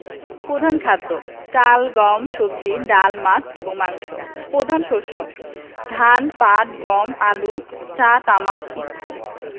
প্রধান খাদ্যঃ চাল গম সবজি ডাল মাছ এবং মাংস প্রধান শস্যঃ ধান পাট গম আলু চা তামাক ইক্ষু